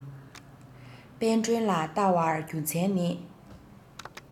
དཔལ སྒྲོན ལ བལྟ བར རྒྱུ མཚན ནི